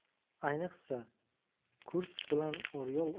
ayniqsa kursk bilan oryol